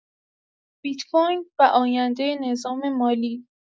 بیت‌کوین و آینده نظام مالی